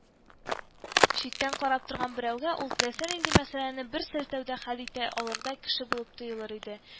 Читтән карап торган берәүгә ул теләсә нинди мәсьәләне бер селтәнүдә хәл итә алырдай кеше булып тоелыр иде